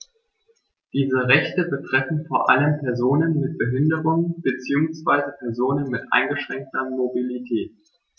Diese Rechte betreffen vor allem Personen mit Behinderung beziehungsweise Personen mit eingeschränkter Mobilität.